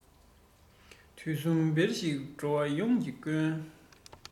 དུས གསུམ བདེར གཤེགས འགྲོ བ ཡོངས ཀྱི མགོན